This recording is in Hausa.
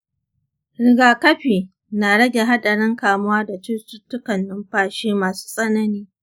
rigakafi na rage haɗarin kamuwa da cututtukan numfashi masu tsanani.